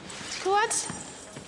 Ti clŵad?